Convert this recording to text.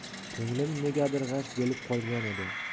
ko'nglim negadir g'ash bo'lib qolgan edi